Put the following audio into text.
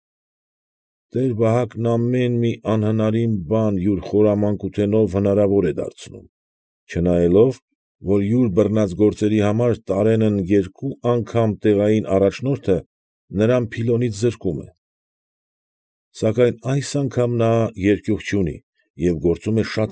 Տեր֊Վահակն ամեն մի անհնարին բան յուր խորամանկութենով հնարավոր է դարձնում, չնայելով, ֊֊֊֊֊֊֊֊֊֊֊֊֊֊֊֊